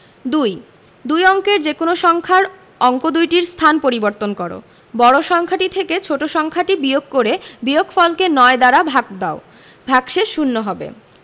২ দুই অঙ্কের যেকোনো সংখ্যার অঙ্ক দুইটির স্থান পরিবর্তন কর বড় সংখ্যাটি থেকে ছোট ছোট সংখ্যাটি বিয়োগ করে বিয়োগফলকে ৯ দ্বারা ভাগ দাও ভাগশেষ শূন্য হবে